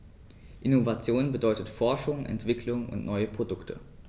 Innovation bedeutet Forschung, Entwicklung und neue Produkte.